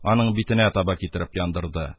Аның битенә таба китереп яндырды.